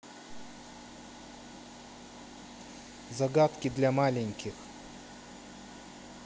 загадки для маленьких